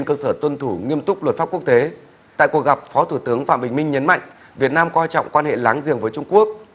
cơ sở tuân thủ nghiêm túc luật pháp quốc tế tại cuộc gặp phó thủ tướng phạm bình minh nhấn mạnh việt nam coi trọng quan hệ láng giềng với trung quốc